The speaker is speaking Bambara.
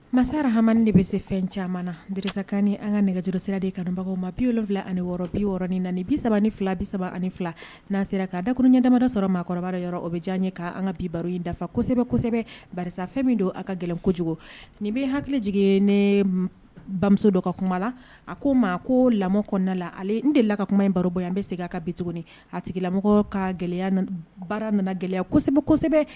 Masara hamamani de bɛ se fɛn caman na garisakanani an ka nɛgɛjsira de kabagaw ma biy wolonwula ani wɔɔrɔ bi6ɔrɔn ni na ni bi3 ni fila bisa ani fila n'a sera ka dakurundi damamada sɔrɔ maakɔrɔbabara yɔrɔ o bɛ diya ɲɛ'an ka bi baa in dafa kosɛbɛ kosɛbɛ bara fɛn min don an ka gɛlɛn kojugu nin bɛ hakili jigin ne bamuso dɔ ka kuma na a ko ma ko lamɔ kɔnɔna la ale n dela ka kuma baro bɔ yan bɛ se a ka bi tuguni a tigilamɔgɔ ka gɛlɛya baara nana gɛlɛya kosɛbɛ